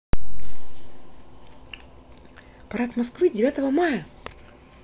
парад москвы девятого мая